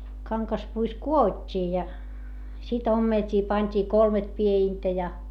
kangaspuissa kudottiin ja sitten ommeltiin pantiin kolme piedintä ja